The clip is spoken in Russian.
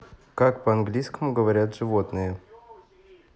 как по английскому говорят животные